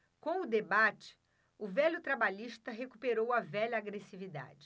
com o debate o velho trabalhista recuperou a velha agressividade